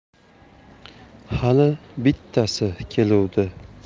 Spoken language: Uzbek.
hali bittasi keluvdi